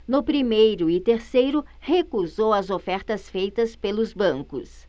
no primeiro e terceiro recusou as ofertas feitas pelos bancos